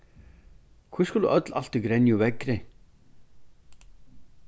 hví skulu øll altíð grenja um veðrið